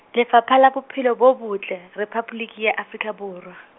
Lefapha la Bophelo bo Botle, Rephaboliki ya Afrika Borwa.